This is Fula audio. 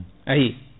ayi